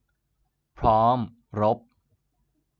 พร้อมรบ